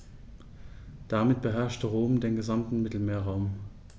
Damit beherrschte Rom den gesamten Mittelmeerraum.